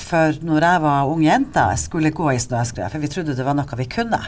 for når jeg var ung jente jeg skulle gå i snøskred for vi trudde det var noe vi kunne.